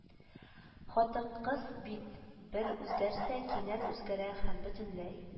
Хатын-кыз бит бер үзгәрсә кинәт үзгәрә һәм бөтенләй